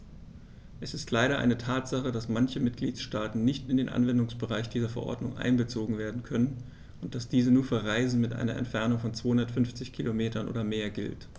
Es ist leider eine Tatsache, dass manche Mitgliedstaaten nicht in den Anwendungsbereich dieser Verordnung einbezogen werden können und dass diese nur für Reisen mit einer Entfernung von 250 km oder mehr gilt.